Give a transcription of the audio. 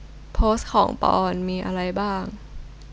โพสต์ของปอนด์มีอะไรบ้าง